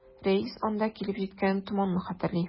Рәис анда килеп җиткәнен томанлы хәтерли.